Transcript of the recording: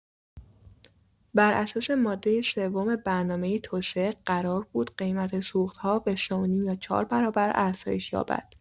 بر اساس ماده سوم برنامه توسعه قرار بود قیمت سوخت‌ها به سه و نیم یا چهار برابر افزایش یابد.